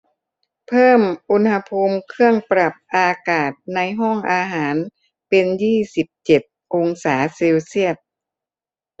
เพิ่มอุณหภูมิเครื่องปรับอากาศในห้องอาหารเป็นยี่สิบเจ็ดองศาเซลเซียส